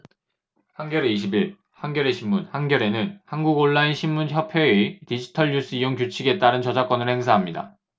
한겨레 이십 일 한겨레신문 한겨레는 한국온라인신문협회의 디지털뉴스이용규칙에 따른 저작권을 행사합니다